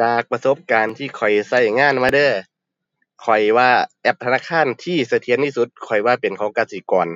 จากประสบการณ์ที่ข้อยใช้งานมาเด้อ ข้อยว่าแอปธนาคารที่เสถียรที่สุด ข้อยว่าเป็นของกสิกร